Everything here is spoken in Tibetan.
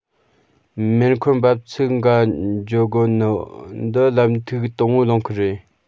མེ འཁོར འབབ ཚིགས ག འགྱོ དགོ ནོ འདི ལམ ཐིག དང བོའི རླངས འཁོར རེད